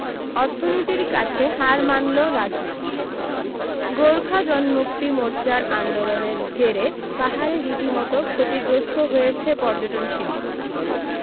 অর্থনীতির কাছে হার মানল রাজনীতি গোর্খা জন্মুক্তি মোর্চার আন্দোলনের জেরে পাহাড়ে রীতিমতো ক্ষতিগ্রস্ত হয়েছে পর্যটনশিল্প